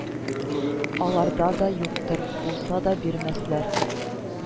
Аларда да юктыр, булса да бирмәсләр